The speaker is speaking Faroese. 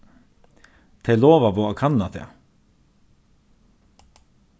tey lovaðu at kanna tað